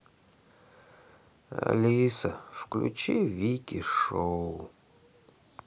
алиса включи вики шоу